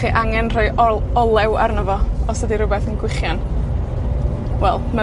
chi angen rhoi o- olew arno fo. Os ydi rwbeth yn gwichin. Wel, ma'